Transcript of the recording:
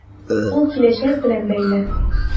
Ул киләчәк белән бәйле.